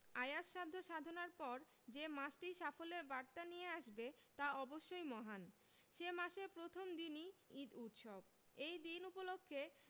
আয়াস সাধ্য সাধনার পর যে মাসটি সাফল্যের বার্তা নিয়ে আসবে তা অবশ্যই মহান সে মাসের প্রথম দিনই ঈদ উৎসব এই দিন উপলক্ষে